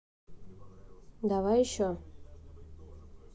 давай еще